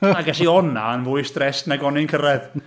Ac es i o 'na'n fwy stressed nag o'n i'n cyrraedd.